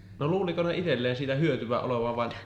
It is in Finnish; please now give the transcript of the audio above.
no luuliko ne itselleen siitä hyötyä olevan vaan